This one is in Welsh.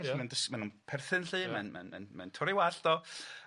Ia. Felly mae'n dys- ma' nw'n perthyn 'lly... Ia. ...mae'n ma'n ma'n ma'n torri wallt o.